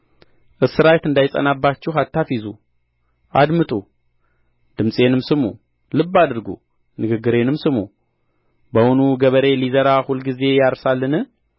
እስራት እንዳይጸንባችሁ አታፊዙ አድምጡ ድምፄንም ስሙ ልብ አድርጉ ንግግሬንም ስሙ በውኑ ገበሬ ሊዘራ ሁልጊዜ ያርሳልን